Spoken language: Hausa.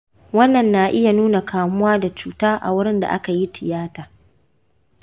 wannan na iya nuna kamuwa da cuta a wurin da aka yi tiyata.